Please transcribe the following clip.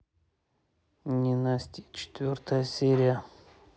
ненастье четвертая серия